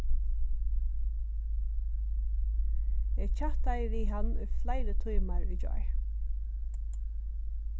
eg kjattaði við hann í fleiri tímar í gjár